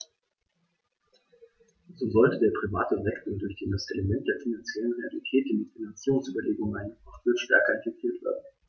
So sollte der private Sektor, durch den das Element der finanziellen Realität in die Finanzierungsüberlegungen eingebracht wird, stärker integriert werden.